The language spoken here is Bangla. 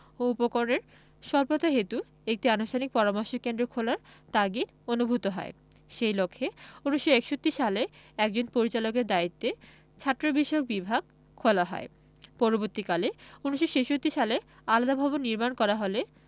ও উপকরণের স্বল্পতাহেতু একটি আনুষ্ঠানিক পরামর্শ কেন্দ্র খোলার তাগিদ অনুভূত হয় সেই লক্ষ্যে ১৯৬১ সালে একজন পরিচালকের দায়িত্বে ছাত্রবিষয়ক বিভাগ খোলা হয় পরবর্তীকালে ১৯৬৬ সালে আলাদা ভবন নির্মাণ করা হলে